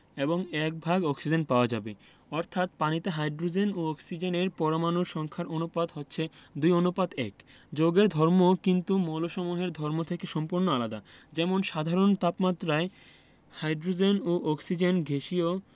এবং এক ভাগ অক্সিজেন পাওয়া যাবে অর্থাৎ পানিতে হাইড্রোজেন ও অক্সিজেনের পরমাণুর সংখ্যার অনুপাত হচ্ছে ২ অনুপাত ১যৌগের ধর্ম কিন্তু মৌলসমূহের ধর্ম থেকে সম্পূর্ণ আলাদা যেমন সাধারণ তাপমাত্রায় হাইড্রোজেন ও অক্সিজেন গ্যাসীয়